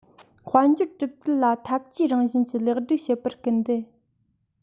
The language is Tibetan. དཔལ འབྱོར གྲུབ ཚུལ ལ འཐབ ཇུས རང བཞིན གྱི ལེགས སྒྲིག བྱེད པར སྐུལ འདེད